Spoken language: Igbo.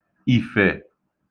ìfè